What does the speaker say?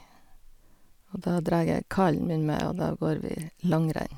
Og da dræg jeg kallen min med, og da går vi langrenn.